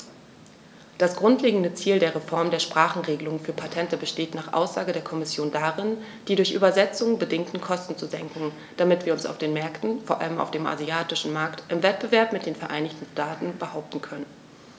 Das grundlegende Ziel der Reform der Sprachenregelung für Patente besteht nach Aussage der Kommission darin, die durch Übersetzungen bedingten Kosten zu senken, damit wir uns auf den Märkten, vor allem auf dem asiatischen Markt, im Wettbewerb mit den Vereinigten Staaten behaupten können.